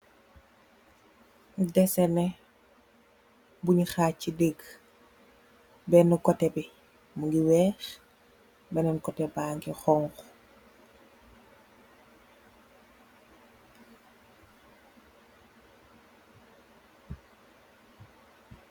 Desé né buñu haaj ci dégg bénn koté bi mu ngi wees bennn kote bangi honx.